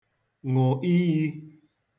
ṅụ̀ iyī